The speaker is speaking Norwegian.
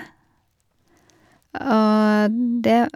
Og det...